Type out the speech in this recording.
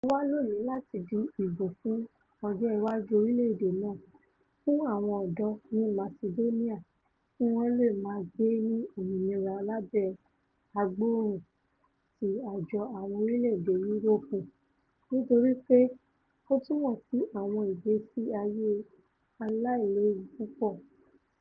Mó wá lóòní láti di ìbò fún ọjọ́ iwájú orílẹ̀-èdè náà, fún àwọn ọ̀dọ́ ní Masidóníà kí wọ́n leè máa gbé ní òmìnira lábẹ́ agboòrùn ti Àjọ Àwọn orílẹ̀-èdè Yúróòpù nítorí pé ó túmọ̀ sí àwọn ìgbésí ayé aláìléwu púpọ̀